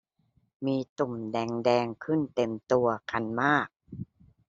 มีตุ่มแดงแดงขึ้นเต็มตัวคันมาก